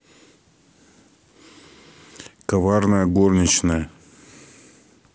коварная горничная